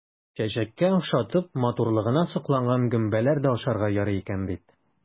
Чәчәккә охшатып, матурлыгына сокланган гөмбәләр дә ашарга ярый икән бит!